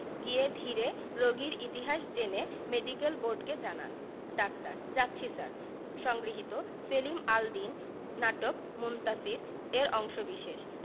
গিয়ে ধীরে রোগীর ইতিহাস জেনে মেডিকেল বোর্ডকে জানান ডাক্তার যাচ্ছি স্যার সংগৃহীত সেলিম আল দীন নাটক মুনতাসীর এর অংশবিশেষ